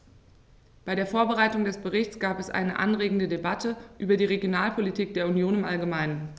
Bei der Vorbereitung des Berichts gab es eine anregende Debatte über die Regionalpolitik der Union im allgemeinen.